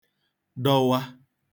dọwa